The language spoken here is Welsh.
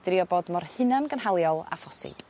...drio bod mor hunan gynhaliol a phosib.